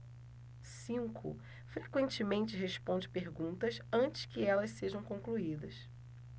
cinco frequentemente responde perguntas antes que elas sejam concluídas